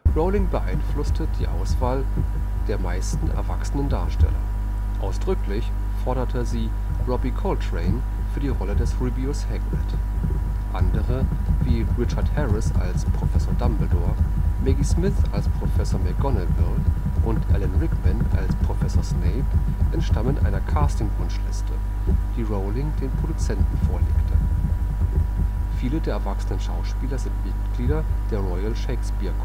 Rowling beeinflusste die Auswahl der meisten erwachsenen Darsteller. Ausdrücklich forderte sie Robbie Coltrane für die Rolle des Rubeus Hagrid. Andere wie Richard Harris als Professor Dumbledore, Maggie Smith als Professor McGonagall und Alan Rickman als Professor Snape entstammen einer Cast-Wunschliste, die Rowling den Produzenten vorlegte. Viele der erwachsenen Schauspieler sind Mitglieder der Royal Shakespeare